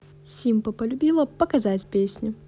симпа полюбила показать песню